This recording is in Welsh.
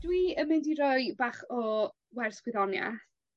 Dwi yn mynd i roi bach o wers gwyddonieth.